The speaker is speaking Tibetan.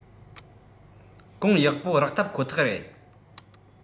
གོང ཡག པོ རག ཐབས ཁོ ཐག རེད